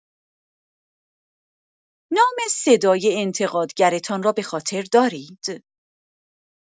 نام صدای انتقادگرتان را به‌خاطر دارید؟